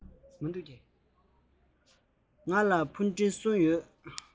ང ལ ཕུ འདྲེན གསུམ ཡོད